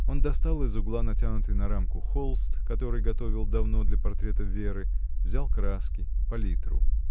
Он достал из угла натянутый на рамку холст, который готовил давно для портрета Веры, взял краски, палитру.